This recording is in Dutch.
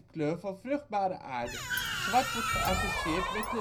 kleur van vruchtbare aarde. Zwart wordt geassocieerd met